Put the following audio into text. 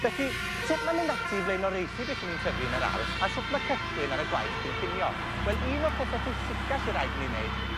Felly sut ma' mynd ati i flaenoraethu beth 'yn ni'n tyfu yn yr ardd a shwt ma' cychwyn ar y gwaith cynllunio? Wel un o'r pethe pwysica sy raid i ni neud